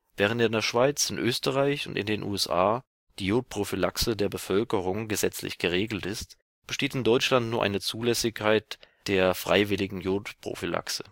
Während in der Schweiz, in Österreich und in den USA die Iodprophylaxe der Bevölkerung gesetzlich geregelt ist, besteht in Deutschland nur eine Zulässigkeit der freiwilligen Iodprophylaxe